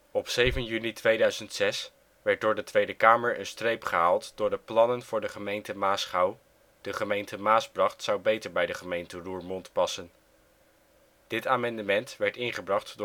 Op 7 juni 2006 werd door de Tweede Kamer een streep gehaald door de plannen voor de gemeente Maasgouw, de gemeente Maasbracht zou beter bij de gemeente Roermond passen. Dit amendement werd ingebracht